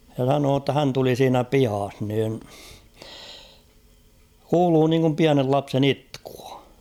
ja sanoi jotta hän tuli siinä pihassa niin kuului niin kuin pienen lapsen itkua